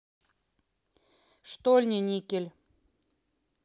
штольни никель